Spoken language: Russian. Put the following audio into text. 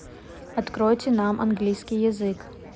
откройте нам английский язык